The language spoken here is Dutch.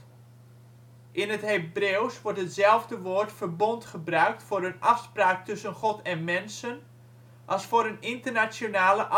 In het Hebreeuws wordt hetzelfde woord " verbond " gebruikt voor een afspraak tussen God en mensen als voor een internationale